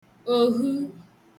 ọ̀ghu